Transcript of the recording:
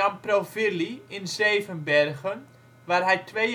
Provily in Zevenbergen waar hij twee